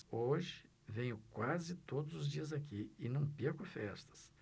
hoje venho quase todos os dias aqui e não perco festas